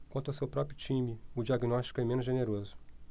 quanto ao seu próprio time o diagnóstico é menos generoso